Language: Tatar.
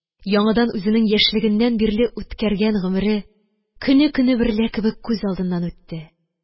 Яңыдан үзенең яшьлегеннән бирле үткәргән гомере көне-көне берлә кебек күз алдыннан үтте.